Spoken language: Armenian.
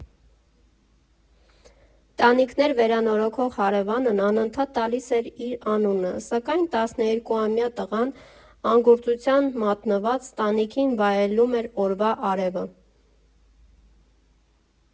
Տանիքներ վերանորոգող հարևանն անընդհատ տալիս էր իր անունը, սակայն տասներկուամյա տղան անգործության մատնված տանիքին վայելում էր օրվա արևը։